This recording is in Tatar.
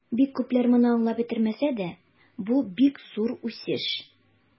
Бик күпләр моны аңлап бетермәсә дә, бу бик зур үсеш.